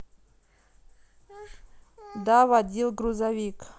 да водил грузовик